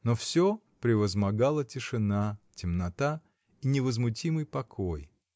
Но всё превозмогала тишина, темнота и невозмутимый покой.